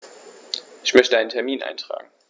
Ich möchte einen Termin eintragen.